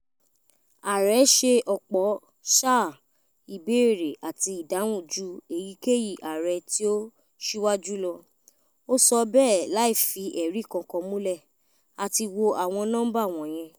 "Ààrẹ ṣe ọ̀pọ̀ sáà ìbéèrè àti ìdáhùn ju èyíkéyìí ààrẹ tí ó ṣiwájú rẹ̀,” ó sọ bẹ́ẹ̀ láìfi ẹ̀rí kankan múlẹ̀: “A ti wo àwọn nọ́ńbà wọ̀nyẹn."